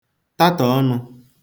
tatọ̀ ọnụ̄